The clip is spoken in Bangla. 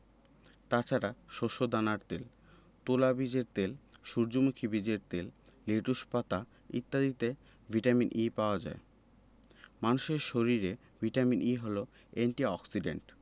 তাছাড়া শস্যদানার তেল তুলা বীজের তেল সূর্যমুখী বীজের তেল লেটুস পাতা ইত্যাদিতে ভিটামিন E পাওয়া যায় মানুষের শরীরে ভিটামিন E হলো এন্টি অক্সিডেন্ট